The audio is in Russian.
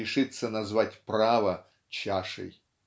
решится назвать право чашей?